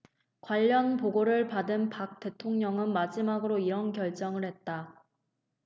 관련 보고를 받은 박 대통령은 마지막으로 이런 결정을 했다